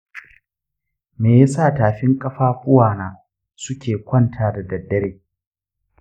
me yasa tafin ƙafafuwa na suke ƙwanta da daddare?